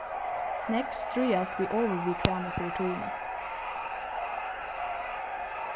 nógv stríðast við ovurviðkvæmi fyri tíðina